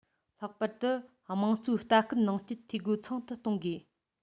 ལྷག པར དུ དམངས གཙོའི ལྟ སྐུལ ནང རྐྱེན འཐུས སྒོ ཚང དུ བཏང དགོས